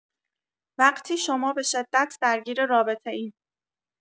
وقتی شما به‌شدت درگیر رابطه‌اید.